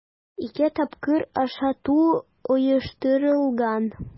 Ике тапкыр ашату оештырылган.